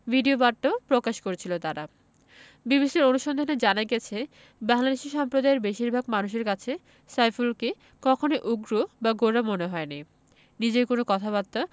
ভিডিওবার্তাও প্রকাশ করছিল তারা বিবিসির অনুসন্ধানে জানা গেছে বাংলাদেশি সম্প্রদায়ের বেশির ভাগ মানুষের কাছে সাইফুলকে কখনোই উগ্র বা গোঁড়া মনে হয়নি নিজের কোনো কথাবার্তা